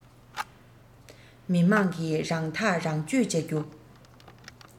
མི དམངས ཀྱིས རང ཐག རང གཅོད བྱ རྒྱུ